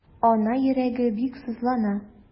Ана йөрәге бик сызлана.